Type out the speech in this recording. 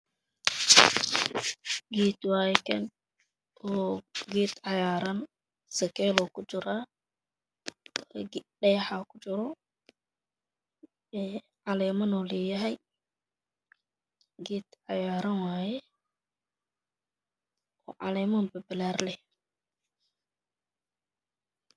Gedwaye kan oo cayaran sakelow ku jiraadhayaxaa ku jira caleman leh calaaman babalaran leh